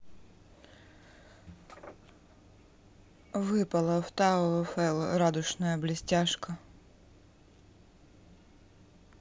выпала в tower of hell радужная блестяшка